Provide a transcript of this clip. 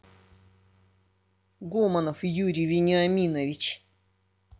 гомонов юрий вениаминович